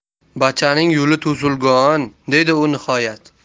bachangni yo'li to'sulgon dedi u nihoyat